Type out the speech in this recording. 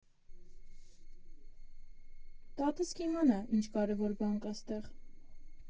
«Տատս կիմանա՝ ինչ կարևոր բան կա ստեղ։